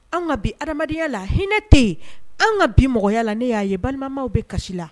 An ka bi adamadenyaya la hinɛ tɛ yen an ka bi mɔgɔya la ne y'a ye balimaw bɛ kasi la